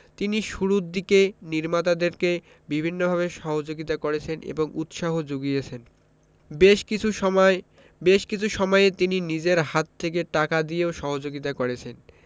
তিনি শুরুর দিকে নির্মাতাদেরকে বিভিন্নভাবে সহযোগিতা করেছেন এবং উৎসাহ যুগিয়েছেন বেশ কিছু সময় বেশ কিছু সমইয়ে তিনি নিজের হাত থেকে টাকা দিয়েও সহযোগিতা করেছেন